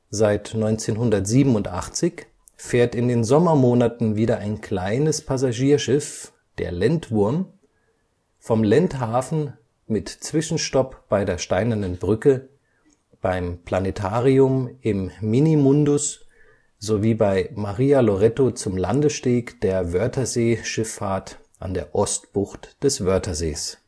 Seit 1987 fährt in den Sommermonaten wieder ein kleines Passagierschiff – der „ Lendwurm “– vom Lendhafen mit Zwischenstopp bei der Steinernen Brücke, beim Planetarium im Minimundus sowie bei Maria Loretto zum Landesteg der Wörtherseeschifffahrt an der Ostbucht des Wörthersees